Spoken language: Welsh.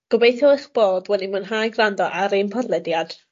Gobeithio eich bod wedi mwynhau grando ar ein podlediad.